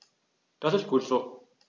Das ist gut so.